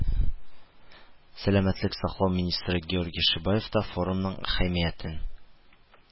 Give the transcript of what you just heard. Сәламәтлек саклау министры Георгий Шебаев та форумның әһәмиятен